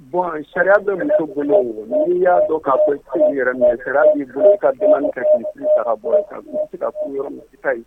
Bon charia be muso bolo o n'i y'a dɔn ka fɔ i tise k'i yɛrɛ minɛ charia b'i bolo i ka demande kɛ k'i furu sa ka bɔ ye ka f i be se ka furu yɔrɔ min i te taa ye